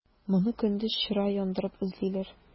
Моны көндез чыра яндырып эзлиләр.